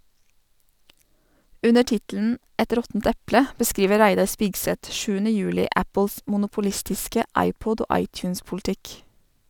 Under tittelen "Et råttent eple" beskriver Reidar Spigseth Apples monopolistiske iPod- og iTunes-politikk.